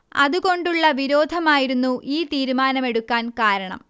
അതുകൊണ്ടുള്ള വിരോധമായിരുന്നു ഈ തീരുമാനമെടുക്കാൻ കാരണം